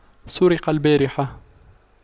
سرق البارحة